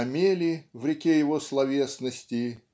А мели в реке его словесности